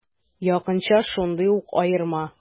Якынча шундый ук аерма.